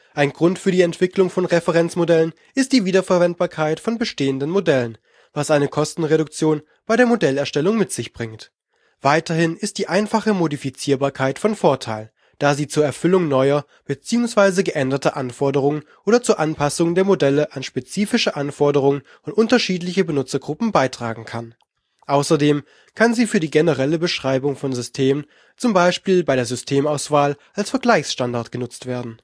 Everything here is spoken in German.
Ein Grund für die Entwicklung von Referenzmodellen ist die Wiederverwendbarkeit von bestehenden Modellen, was eine Kostenreduktion bei der Modellerstellung mit sich bringt. Weiterhin ist die einfache Modifizierbarkeit von Vorteil, da sie zur Erfüllung neuer bzw. geänderter Anforderungen oder zur Anpassung der Modelle an spezifische Anforderungen und unterschiedliche Benutzergruppen beitragen kann. Außerdem kann sie für die generelle Beschreibung von Systemen zum Beispiel bei der Systemauswahl als Vergleichsstandard genutzt werden